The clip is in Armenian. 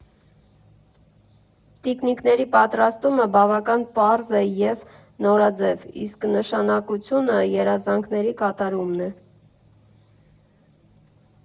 Տիկնիկների պատրաստումը բավական պարզ է և նորաձև, իսկ նշանակությունը երազանքների կատարումն է։